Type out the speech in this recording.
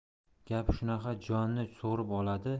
gapi shunaqa jonni sug'urib oladi